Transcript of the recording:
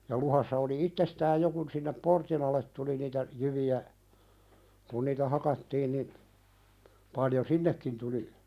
ja luhdassa oli itsestään jo kun sinne portin alle tuli niitä jyviä kun niitä hakattiin niin paljon sinnekin tuli